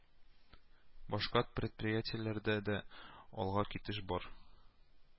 Башка предприятиеләрдә дә алга китеш бар